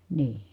niin